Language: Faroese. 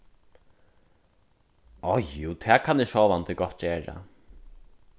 áh jú tað kann eg sjálvandi gott gera